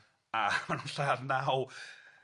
A ma' nw'n lladd naw